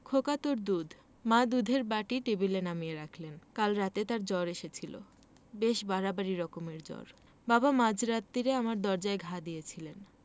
খোকা তোর দুধ মা দুধের বাটি টেবিলে নামিয়ে রাখলেন কাল রাতে তার জ্বর এসেছিল বেশ বাড়াবাড়ি রকমের জ্বর বাবা মাঝ রাত্তিরে আমার দরজায় ঘা দিয়েছিলেন